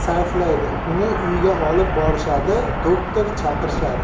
sarflaydi uni uyga olib borishadi doktor chaqirishadi